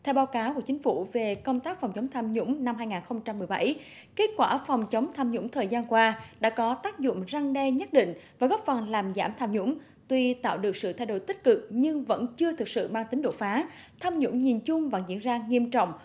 theo báo cáo của chính phủ về công tác phòng chống tham nhũng năm hai ngàn không trăm mười bảy kết quả phòng chống tham nhũng thời gian qua đã có tác dụng răn đe nhất định và góp phần làm giảm tham nhũng tuy tạo được sự thay đổi tích cực nhưng vẫn chưa thực sự mang tính đột phá tham nhũng nhìn chung vẫn diễn ra nghiêm trọng